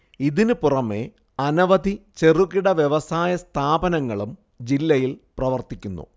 ഇതിനു പുറമേ അനവധി ചെറുകിട വ്യവസായ സ്ഥാപനങ്ങളും ജില്ലയില്‍ പ്രവര്‍ത്തിക്കുന്നു